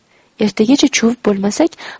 ertagacha chuvib bo'lmasak